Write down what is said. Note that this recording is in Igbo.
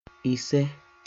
ìse